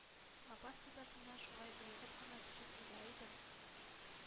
Лапас түбәсеннән шулай боегып кына төшеп килә идем,